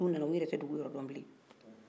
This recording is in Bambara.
n'u nana u yɛrɛ tɛ dugu yɔrɔdɔn bilen